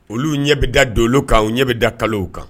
Olu ɲɛ bɛ da dolo kan u ɲɛ bɛ da kalo kan